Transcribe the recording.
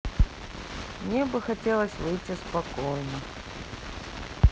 мне бы хотелось выйти спокойно